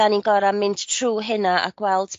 'dan ni'n gor'o' mynd trw hyna a gweld